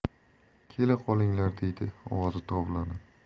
kela qolinglar deydi ovozi tovlanib